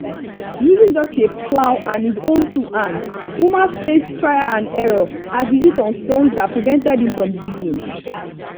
Using just a plow and his own two hands, Ouma faced trial and error as he hit on stones that prevented him from digging.